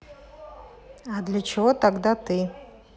а для чего тогда ты